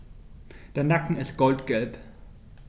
Der Nacken ist goldgelb.